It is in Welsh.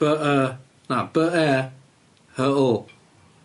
By yy na by e hy l.